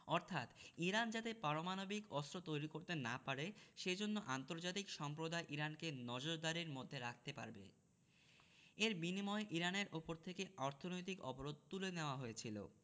অর্থাৎ ইরান যাতে পারমাণবিক অস্ত্র তৈরি করতে না পারে সে জন্য আন্তর্জাতিক সম্প্রদায় ইরানকে নজরদারির মধ্যে রাখতে পারবে এর বিনিময়ে ইরানের ওপর থেকে অর্থনৈতিক অবরোধ তুলে নেওয়া হয়েছিল